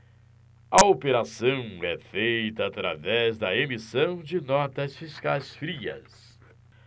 a operação é feita através da emissão de notas fiscais frias